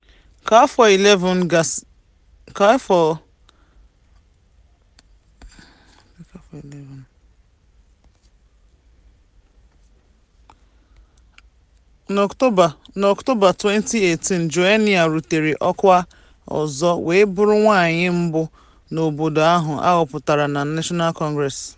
Na Ọktoba 2018, Joenia rutere ọkwá ọzọ, wee bụrụ nwaanyị mbụ n'obodo ahụ a họpụtara na National Congress.